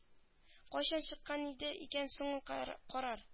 Кайчан чыккан иде икән соң ул карар